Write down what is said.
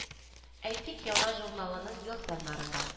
Әйтик яңа журналының ел саннарында